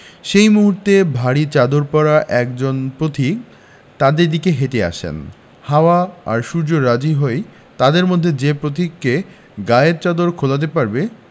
সেই মুহূর্তে ভারি চাদর পরা একজন পথিক তাদের দিকে হেটে আসেন হাওয়া আর সূর্য রাজি হয় তাদের মধ্যে যে পথিকে গায়ের চাদর খোলাতে পারবে